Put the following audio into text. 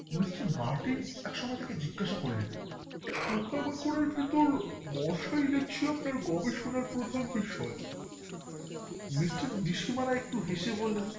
mister Martin এক সময় তাকে জিজ্ঞেস করলেন পোকামাকড়ের ভিতরে মশাই দেখছি আপনার গবেষণার প্রধান বিষয় মিস্টার নিশি মারা একটু হেসে বললেন